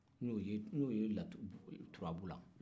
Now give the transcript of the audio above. ne y'o ye turabu la